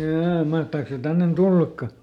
jaa mahtaako se tänne tullakaan